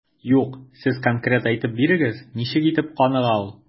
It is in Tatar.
Юк, сез конкрет әйтеп бирегез, ничек итеп каныга ул?